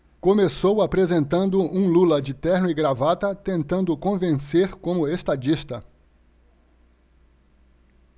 começou apresentando um lula de terno e gravata tentando convencer como estadista